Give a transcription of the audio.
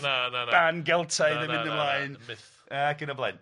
ban Geltaidd yn mynd ymlaen... Myth... ac yn y blaen.